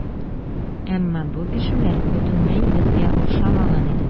Әмма бу кешеләр бөтенләй безгә охшамаган иде.